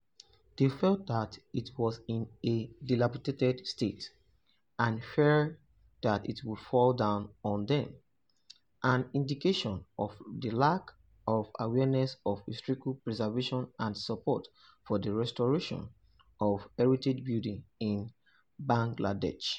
They felt that it was in a dilapidated state and feared that it would fall down on them—an indication of the lack of awareness of historical preservation and support for the restoration of heritage buildings in Bangladesh.